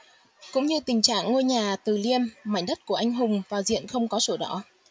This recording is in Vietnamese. cũng như tình trạng ngôi nhà từ liêm mảnh đất của anh hùng vào diện không có sổ đỏ